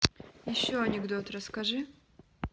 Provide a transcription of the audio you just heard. еще анекдот расскажи